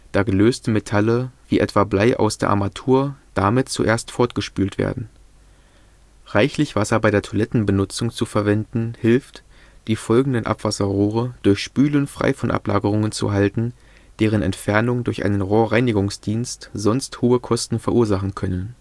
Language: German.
da gelöste Metalle, wie etwa Blei aus der Armatur damit zuerst fortgespült werden. Reichlich Wasser bei der Toilettenbenutzung zu verwenden hilft die folgenden Abwasserrohre durch Spülen frei von Ablagerungen zu halten, deren Entfernung durch einen Rohrreinigungsdienst sonst hohe Kosten verursachen können